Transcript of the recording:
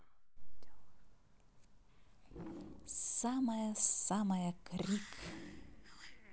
самая самая крик